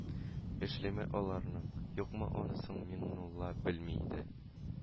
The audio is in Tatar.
Эшлиме аларның, юкмы – анысын миңнулла белми иде